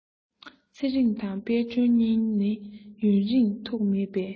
ཚེ རིང དང དཔལ སྒྲོན གཉིས ནི ཡུན རིང ཐུགས མེད པས